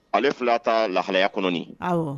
Ale fila ta lahalaya kɔnɔ